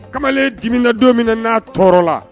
Kamalen diminana don min n'a tɔɔrɔ la